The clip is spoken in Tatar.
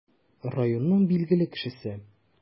Районның билгеле кешесе.